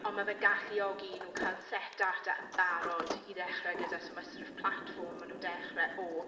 Ond ma' fe'n galluogi i nhw cael set data yn barod i ddechrau gyda. So ma' sort of platform maen nhw'n dechrau o.